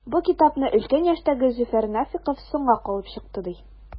Бу китапны өлкән яшьтәге Зөфәр Нәфыйков “соңга калып” чыкты, ди.